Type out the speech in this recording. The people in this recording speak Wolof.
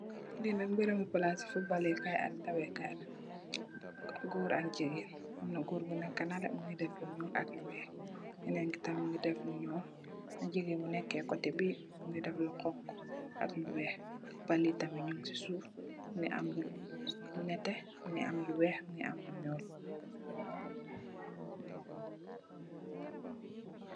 Liinak mbiram palasi footballer kayy ak dawekay la gorr ak gigeen amna gorr buneka nekeh mungi deff lu nyul ak lu wekh kenen ki tam mungi deff lu nyul gigeen bunekeh koteh biiungi deff lu xonxu ak lu wekh ballyi amit mungsi suf mungi am lu netteh mungi am lu wekh mungi am lu nyul.